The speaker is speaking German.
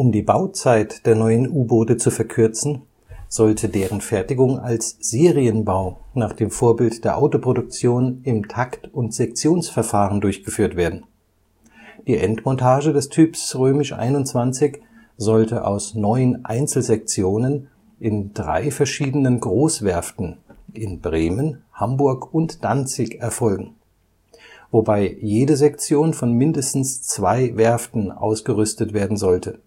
die Bauzeit der neuen U-Boote zu verkürzen, sollte deren Fertigung als Serienbau nach dem Vorbild der Autoproduktion im Takt - und Sektionsverfahren durchgeführt werden. Die Endmontage des Typs XXI sollte aus neun Einzelsektionen in drei verschiedenen Großwerften in Bremen, Hamburg und Danzig erfolgen, wobei jede Sektion von mindestens zwei Werften ausgerüstet werden sollte